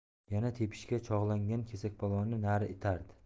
yana tepishga chog'langan kesakpolvonni nari itardi